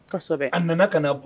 Sɛbɛ a nana ka na bɔ